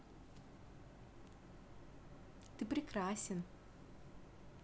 ты прекрасен